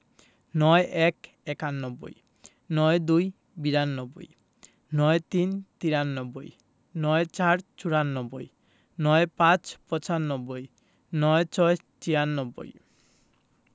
৯১ - একানব্বই ৯২ - বিরানব্বই ৯৩ - তিরানব্বই ৯৪ – চুরানব্বই ৯৫ - পচানব্বই ৯৬ - ছিয়ানব্বই